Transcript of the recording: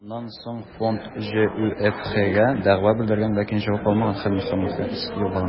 Моннан соң фонд ҖҮФХгә дәгъва белдергән, ләкин җавап алмаган һәм мәхкәмәгә иск юллаган.